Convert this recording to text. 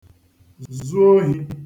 zu ohi